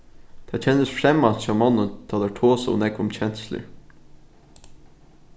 tað kennist fremmant hjá monnum tá teir tosa ov nógv um kenslur